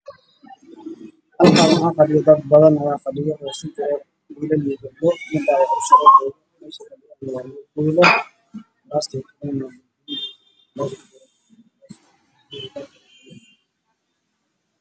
Meeshaan waa meel holland nin ayaa wacdinayo dadka